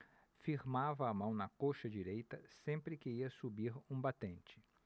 firmava a mão na coxa direita sempre que ia subir um batente